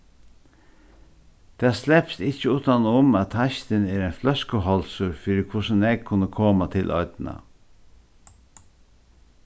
tað slepst ikki uttan um at teistin er ein fløskuhálsur fyri hvussu nógv kunnu koma til oynna